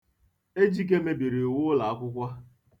Ejike mebiri iwu ụlọakwụkwọ.